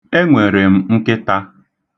Enwere m nkịta.